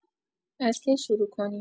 از کی شروع کنیم؟